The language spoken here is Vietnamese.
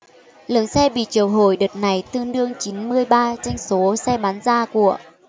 lượng xe bị triệu hồi đợt này tương đương chín mươi ba doanh số xe bán ra của